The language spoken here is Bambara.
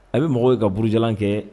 A bɛ mɔgɔw ye ka buruja kɛ